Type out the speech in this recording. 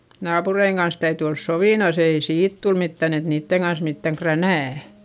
naapureiden kanssa täytyy olla sovinnossa ei siitä tule mitään että niiden kanssa mitään kränää